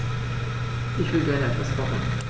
Ich will gerne etwas kochen.